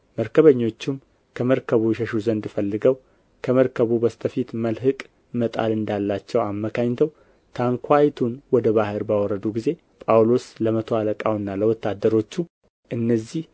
መርከበኞቹም ከመርከቡ ይሸሹ ዘንድ ፈልገው ከመርከቡ በስተ ፊት መልሕቅ መጣል እንዳላቸው አመካኝተው ታንኳይቱን ወደ ባሕር ባወረዱ ጊዜ ጳውሎስ ለመቶ አለቃውና ለወታደሮቹ እነዚህ